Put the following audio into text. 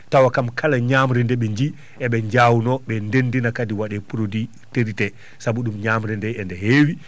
tawa kam kala ñaamre nde ɓe njiyii eɓe jawno ɓe nden ndina kadi waɗe produit térité sabu ɗum ñaamre nde ende heewi